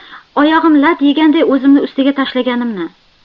oyog'im lat yeganday o'zimni ustiga tashlaganimni